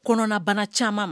Kɔnɔnabana caman ma